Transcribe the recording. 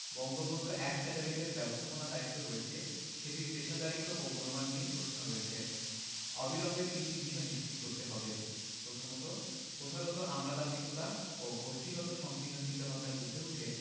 Bangabandhu ১ satellite এর ব্যবস্থাপনার দায়িত্ব রয়েছে সেটির পেশাদারিত্ব ও গুণমান নিয়ে প্রশ্ন আছে অবিলম্বে তিনটি বিষয় নিশ্চিত করতে হবে প্রথমত প্রথাগত আমলাতান্ত্রিকতা ও গোষ্ঠীগত সংকীর্ণ চিন্তাভাবনার ঊর্ধ্বে উঠে